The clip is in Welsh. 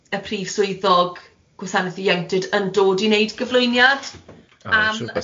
Y Prif Swyddog Gwasanaeth Ieuenctid yn dod i wneud gyflwyniad am